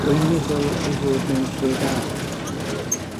Rwy'n meddwl ei fod mewn lle da ar hyn o bryd.